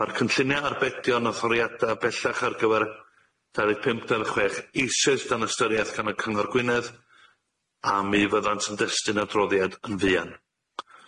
Ma'r cynllunie arbedion a thorriada bellach ar gyfer dau ddeg pump dau ddeg chwech eisoes dan ystyriaeth gan y Cyngor Gwynedd, a mi fyddant yn destun adroddiad yn fuan.